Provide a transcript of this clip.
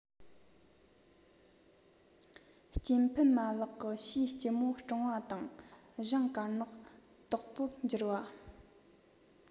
སྐྱེ འཕེལ མ ལག གི ཕྱིའི སྐྱི མོ སྐྲངས པ དང གཞང དཀར ནག དོག པོར འགྱུར བ